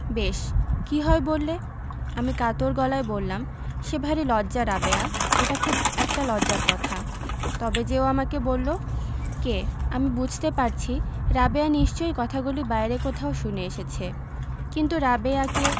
বেশ কি হয় বললে আমি কাতর গলায় বললাম সে ভারী লজ্জা রাবেয়া এটা খুব একটা লজ্জার কথা তবে যে ও আমাকে বললো কে আমি বুঝতে পারছি রাবেয়া নিশ্চয়ই কথাগুলি বাইরে কোথাও শুনে এসেছে কিন্তু রাবেয়াকে